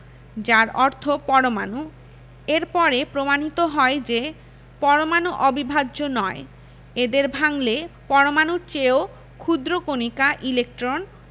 যার অর্থ পরমাণু এর পরে প্রমাণিত হয় যে পরমাণু অবিভাজ্য নয় এদের ভাঙলে পরমাণুর চেয়েও ক্ষুদ্র কণিকা ইলেকট্রন